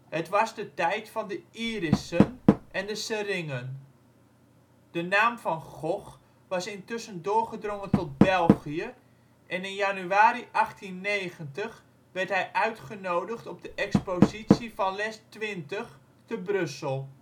Het was de tijd van de " Irissen " en de " Seringen ". De naam Van Gogh was intussen doorgedrongen tot België en in januari 1890 werd hij uitgenodigd op de expositie van Les XX te Brussel